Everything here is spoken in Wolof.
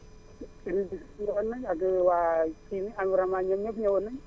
* ak waa * ñoom ñëpp ñewoon nañ